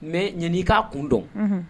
Mais yan'i k'a kun dɔn, unhun